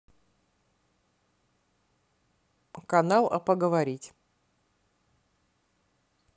канал а поговорить